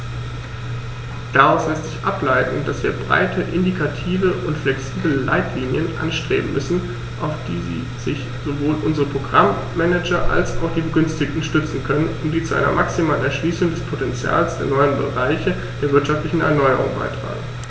Daraus lässt sich ableiten, dass wir breite, indikative und flexible Leitlinien anstreben müssen, auf die sich sowohl unsere Programm-Manager als auch die Begünstigten stützen können und die zu einer maximalen Erschließung des Potentials der neuen Bereiche der wirtschaftlichen Erneuerung beitragen.